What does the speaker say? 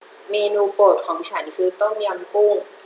เมนูโปรดของฉันคือต้มยำกุ้ง